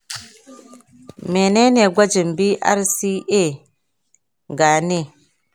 menene gwajin brca gene?